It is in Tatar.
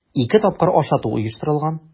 Ике тапкыр ашату оештырылган.